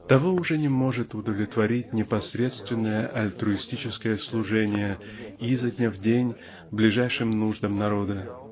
того уже не может удовлетворить непосредственное альтруистическое служение изо дня в день ближайшим нуждам народа